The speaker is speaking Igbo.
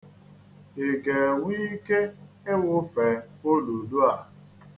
Ị ga-enwe ike ịwụfe olulu a?